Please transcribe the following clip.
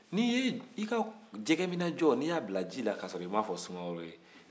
n'i y'i ka jɛgɛ minɛ jɔ n'i y'a bila ji la kasɔrɔ i m'a fɔ sumaworo ye